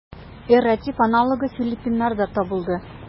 Эрратив аналогы филиппиннарда табылды.